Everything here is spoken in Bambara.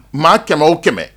Maa kɛmɛ o kɛmɛ